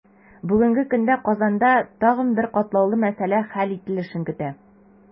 Бүгенге көндә Казанда тагын бер катлаулы мәсьәлә хәл ителешен көтә.